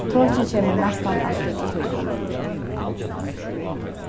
tokið kemur næstan altíð til tíðina